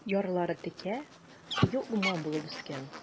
Ярлары текә, куе урман булып үскән.